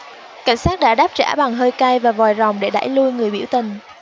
cảnh sát đã đáp trả bằng hơi cay và vòi rồng để đẩy lui người biểu tình